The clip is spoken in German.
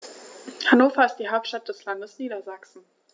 Hannover ist die Hauptstadt des Landes Niedersachsen.